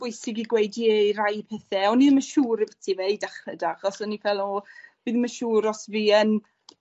bwysig i gweud ie i rai pethe. O'n i 'im yn siŵr ambytu fe i dachre 'da achos o'n i fel o, fi ddim yn siŵr os fi yn